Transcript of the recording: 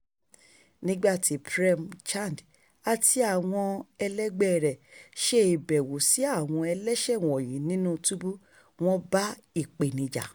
Nígbàtí Prem Chand àti àwọn ẹlẹgbẹ́ẹ rẹ̀ ṣe ìbẹ̀wò sí àwọn ẹlẹ́ṣẹ̀ wọ̀nyí nínúu túbú, wọ́n bá ìpèníjà: